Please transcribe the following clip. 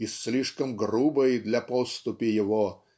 и слишком грубой для поступи его